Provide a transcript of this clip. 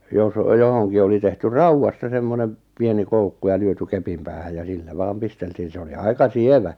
jos johonkin oli tehty raudasta semmoinen pieni koukku ja lyöty kepin päähän ja sillä vain pisteltiin se oli aika sievä